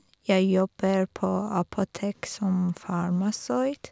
Jeg jobber på apotek som farmasøyt.